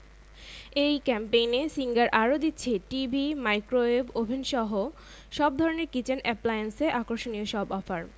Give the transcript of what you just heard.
এই ক্যাম্পেইনে সিঙ্গার আরো দিচ্ছে টিভি মাইক্রোওয়েভ ওভেনসহ সব ধরনের কিচেন অ্যাপ্লায়েন্সে আকর্ষণীয় সব অফার